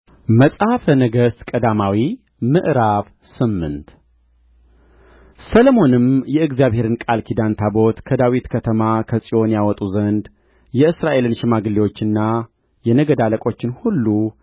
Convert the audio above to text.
መጽሐፈ ነገሥት ቀዳማዊ ምዕራፍ ስምንት ሰሎሞንም የእግዚአብሔርን ቃል ኪዳን ታቦት ከዳዊት ከተማ ከጽዮን ያወጡ ዘንድ የእስራኤልን ሽማግሌዎችና የነገድ አለቆችን ሁሉ